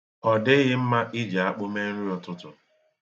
Ọ dịghị mma iji akpụ me nriụtutụ.